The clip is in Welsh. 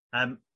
yym